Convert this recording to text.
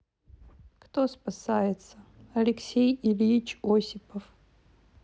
кто спасется алексей ильич осипов